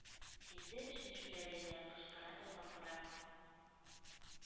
Сизде эшне Шүрәле дә: кычкыра да бакыра,